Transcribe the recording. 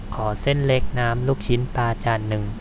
ขอเส้นเล็กน้ำลูกชิ้นปลาจานหนึ่ง